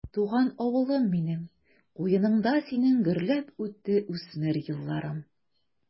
Туган авылым минем, куеныңда синең гөрләп үтте үсмер елларым.